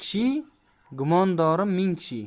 kishi gumondorim ming kishi